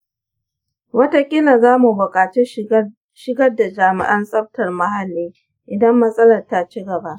wataƙila za mu buƙaci shigar da jami’an tsaftar muhalli idan matsalar ta ci gaba.